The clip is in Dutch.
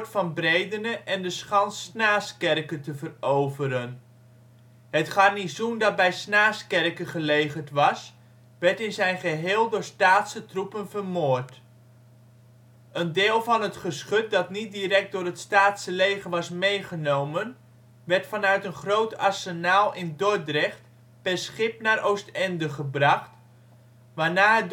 van Bredene en de schans Snaaskerke te veroveren. Het garnizoen dat bij Snaaskerke gelegerd was, werd in zijn geheel door Staatse troepen vermoord. Een deel van het geschut dat niet direct door het Staatse leger was meegenomen, werd vanuit een groot arsenaal in Dordrecht per schip naar Oostende gebracht, waarna